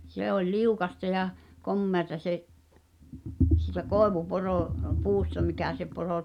se oli liukasta ja komeata se siitä - koivuporopuusta mikä se -